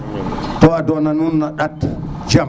te a dona nuun na ɗat jàm